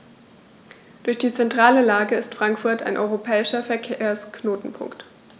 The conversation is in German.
Durch die zentrale Lage ist Frankfurt ein europäischer Verkehrsknotenpunkt.